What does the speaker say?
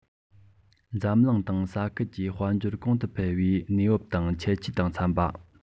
འཛམ གླིང དང ས ཁུལ གྱི དཔལ འབྱོར གོང དུ འཕེལ བའི གནས བབ དང ཁྱད ཆོས དང འཚམ པ